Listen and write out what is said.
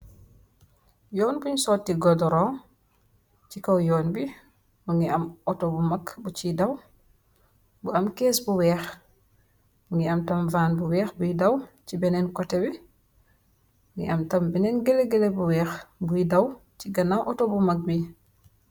Yunn bung soti godurun si kaw yun bi mogi am auto busi daw bu am kess bu weex mogi am tam van bu weex boi daw si benen kote gi mo am tam bene gelegele bu weex boi daw si ganaw auto bu maag bi.